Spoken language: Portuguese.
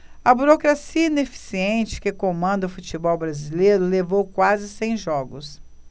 a burocracia ineficiente que comanda o futebol brasileiro levou quase cem jogos